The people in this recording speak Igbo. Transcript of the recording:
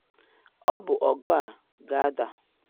Ọ bụ ọgụ a ga-ada.